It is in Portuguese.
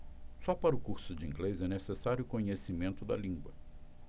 só para o curso de inglês é necessário conhecimento da língua